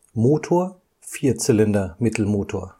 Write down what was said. Motor: Vierzylinder-Mittelmotor